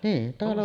niin talo